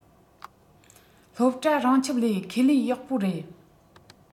སློབ གྲྭ རང ཁྱིམ ལས ཁས ལེན ཡག པོ རེད